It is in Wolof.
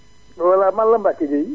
voilà man la Mbacke gueye